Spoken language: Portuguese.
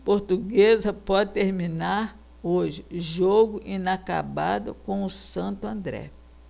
portuguesa pode terminar hoje jogo inacabado com o santo andré